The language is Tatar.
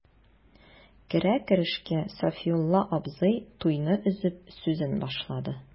Керә-керешкә Сафиулла абзый, туйны өзеп, сүзен башлады.